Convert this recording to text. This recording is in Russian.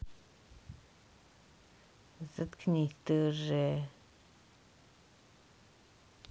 заткнись ты уже